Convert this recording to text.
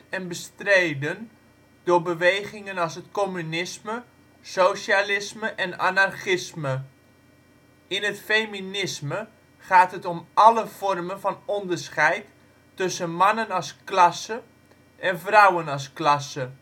en bestreden door bewegingen als het communisme, socialisme en anarchisme. In het feminisme gaat het om alle vormen van onderscheid tussen mannen als klasse en vrouwen als klasse